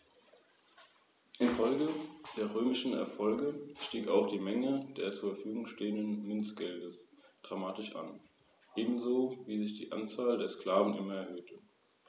Kernzonen und die wichtigsten Bereiche der Pflegezone sind als Naturschutzgebiete rechtlich gesichert.